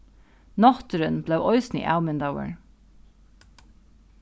nátturðin bleiv eisini avmyndaður